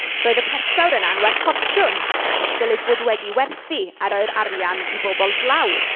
Roedd y persawr yna'n werth ffortiwn, dylid bod wedi ei werthu a roi'r arian i bobl dlawd.